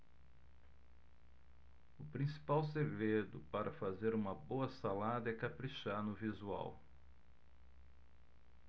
o principal segredo para fazer uma boa salada é caprichar no visual